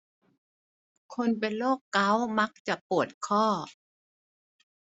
คนเป็นโรคเก๋ามักจะปวดข้อ